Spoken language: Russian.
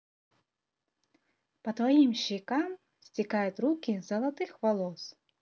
по твоим щекам стекают руки золотых волос